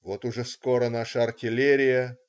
вот уже скоро наша артиллерия. .